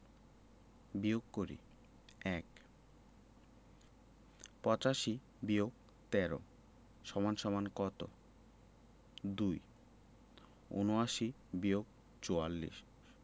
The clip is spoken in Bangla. বিয়োগ করিঃ ১ ৮৫-১৩ = কত ২ ৭৯-৪৪